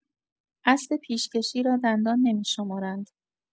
اسب پیش‌کشی را دندان نمی‌شمارند